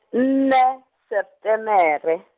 nne, Setemere.